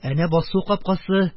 Әнә басу капкасы,